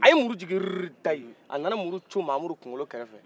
a ye muuru jiguin yiiri yiiri daye a nana muuru cun mamudu kunkolo kɛrɛfɛ